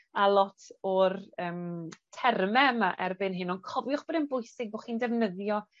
â lot o'r yym terme yma erbyn hyn on' cofiwch bod e'n bwysig bo' chi'n defnyddio